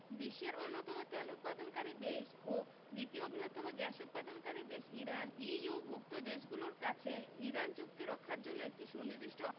বিশ্বের অন্যতম তেল উৎপাদনকারী দেশ ও দ্বিতীয় বৃহত্তম গ্যাস উৎপাদনকারী দেশ ইরান ইইউভুক্ত দেশগুলোর কাছে ইরান চুক্তি রক্ষার জন্য একটি সুনির্দিষ্ট